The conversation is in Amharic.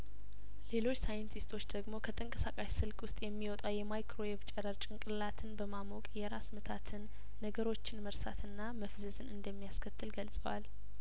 ሌሎች ሳይንቲስቶች ደግሞ ከተንቀሳቃሽ ስልክ ውስጥ የሚወጣው የማይክሮ ዌቭ ጨረር ጭንቅላትን በማሞቅ የራስምታትን ነገሮችን መርሳትና መፍዘዝን እንደሚያስከትል ገልጸዋል